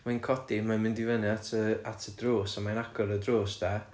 Mae'n codi mae'n mynd i fyny at y at y drws a mae'n agor y drws de.